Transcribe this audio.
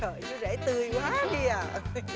trời ơi chú rể tươi quá đi à